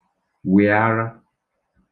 wị̀ ara